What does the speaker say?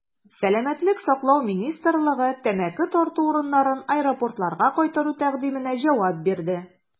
Сәламәтлек саклау министрлыгы тәмәке тарту урыннарын аэропортларга кайтару тәкъдименә җавап бирде.